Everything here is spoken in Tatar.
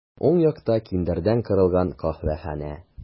Уң якта киндердән корылган каһвәханә.